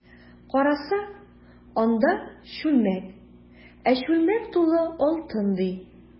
Караса, анда— чүлмәк, ә чүлмәк тулы алтын, ди.